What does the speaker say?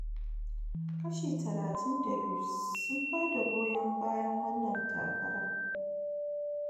Kashi talatin da biyu sun ba da goyon bayan wannan takaran.